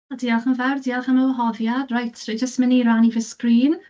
Diolch yn fawr, diolch am y wahoddiad. Reit, dwi jyst mynd i rannu fy sgrin.